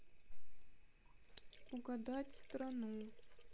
угадать страну